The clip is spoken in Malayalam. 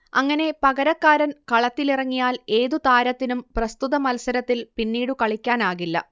അങ്ങനെ പകരക്കാരൻ കളത്തിലിറങ്ങിയാൽ ഏതു താരത്തിനും പ്രസ്തുത മത്സരത്തിൽ പിന്നീടു കളിക്കാനാകില്ല